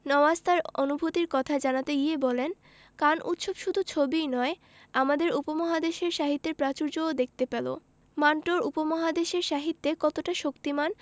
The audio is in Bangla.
নওয়াজ তার অনুভূতির কথা জানাতে গিয়ে বলেন কান উৎসব শুধু ছবিই নয় আমাদের উপমহাদেশের সাহিত্যের প্রাচুর্যও দেখতে পেল মান্টো উপমহাদেশের সাহিত্যে কতটা শক্তিমান